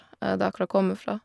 Der hvor jeg kommer fra.